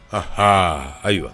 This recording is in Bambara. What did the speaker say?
Anhan ayiwa.